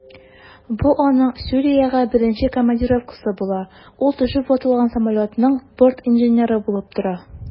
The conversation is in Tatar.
Бу аның Сүриягә беренче командировкасы була, ул төшеп ватылган самолетның бортинженеры булып тора.